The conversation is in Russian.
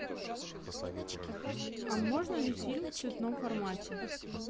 а можно ли фильм в цветном формате